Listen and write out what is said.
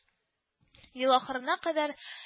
Ел ахырына кадәр